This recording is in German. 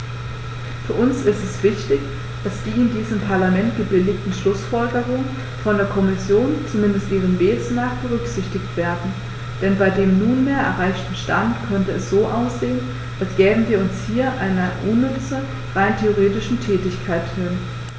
Für uns ist es wichtig, dass die in diesem Parlament gebilligten Schlußfolgerungen von der Kommission, zumindest ihrem Wesen nach, berücksichtigt werden, denn bei dem nunmehr erreichten Stand könnte es so aussehen, als gäben wir uns hier einer unnütze, rein rhetorischen Tätigkeit hin.